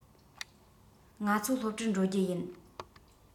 ང ཚོ སློབ གྲྭར འགྲོ རྒྱུ ཡིན